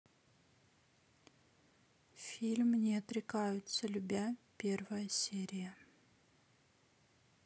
фильм не отрекаются любя первая серия